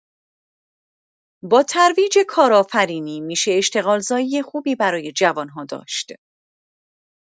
با ترویج کارآفرینی، می‌شه اشتغالزایی خوبی برای جوان‌ها داشت.